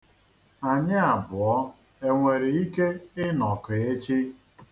Anyị abụọ e nwere ike ịnọkọ echi?